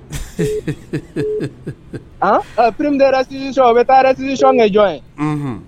prime de restitution u bɛ taa restitution kɛ jɔn ye